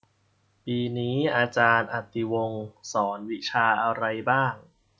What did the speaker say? ปีนี้อาารย์อติวงศ์สอนวิชาอะไรบ้าง